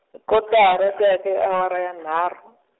kotara ku ya ke awara ya nharhu.